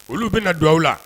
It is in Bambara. Olu bɛna na don aw la